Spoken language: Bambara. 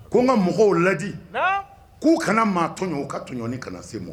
Ko n ka mɔgɔw ladi k'u kana maa tɔnɔn ka tunni kana se ma